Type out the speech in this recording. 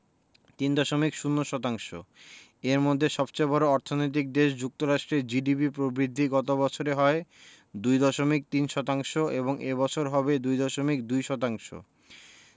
৩.০ শতাংশ এর মধ্যে সবচেয়ে বড় অর্থনৈতিক দেশ যুক্তরাষ্ট্রের জিডিপি প্রবৃদ্ধি গত বছর হয় ২.৩ শতাংশ এবং এ বছর হবে ২.২ শতাংশ